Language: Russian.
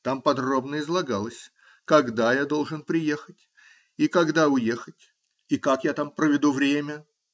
Там подробно излагалось, когда я должен приехать и когда уехать и как я там проведу время.